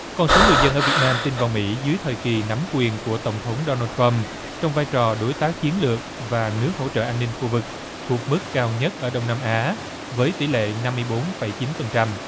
con số người dân ở việt nam tin vào mỹ dưới thời kỳ nắm quyền của tổng thống đô na trăm trong vai trò đối tác chiến lược và nước hỗ trợ an ninh khu vực thuộc mức cao nhất ở đông nam á với tỷ lệ năm mươi bốn phẩy chín phần trăm